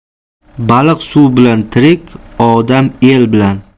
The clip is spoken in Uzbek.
baliq suv bilan tirik odam el bilan